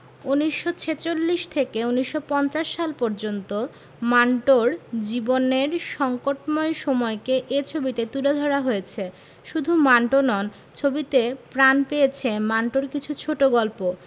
১৯৪৬ থেকে ১৯৫০ সাল পর্যন্ত মান্টোর জীবনের সংকটময় সময়কে এ ছবিতে তুলে ধরা হয়েছে শুধু মান্টো নন ছবিতে প্রাণ পেয়েছে মান্টোর কিছু ছোটগল্পও